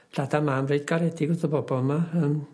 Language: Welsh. dad a mam reit garedig wrth y bobol 'ma yym